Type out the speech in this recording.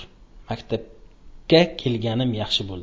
maktabga kelganim yaxshi bo'ldi